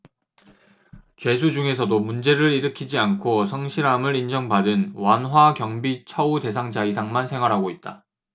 죄수 중에서도 문제를 일으키지 않고 성실함을 인정받은 완화경비 처우 대상자이상만 생활하고 있다